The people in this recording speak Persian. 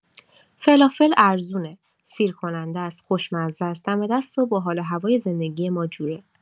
فلافل ارزونه، سیرکننده‌ست، خوش‌مزه‌ست، دم‌دسته و با حال‌وهوای زندگی ما جوره.